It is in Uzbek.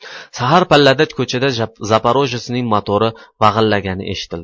sahar pallada ko'chada zaporojetsning motori vag'illagani eshitildi